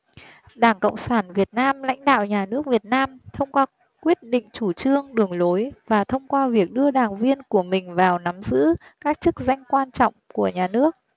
đảng cộng sản việt nam lãnh đạo nhà nước việt nam thông qua quyết định các chủ trương đường lối và thông qua việc đưa đảng viên của mình vào nắm giữ các chức danh quan trọng của nhà nước